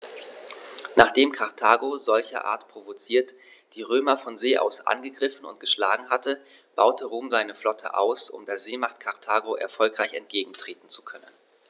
Nachdem Karthago, solcherart provoziert, die Römer von See aus angegriffen und geschlagen hatte, baute Rom seine Flotte aus, um der Seemacht Karthago erfolgreich entgegentreten zu können.